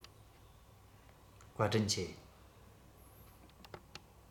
བཀའ དྲིན ཆེ